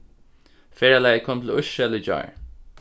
ferðalagið kom til ísrael í gjár